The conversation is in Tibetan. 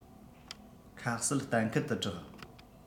ཁ གསལ གཏན འཁེལ ཏུ གྲགས